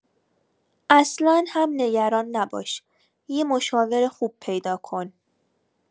اصلا هم نگران نباش یه مشاور خوب پیدا کن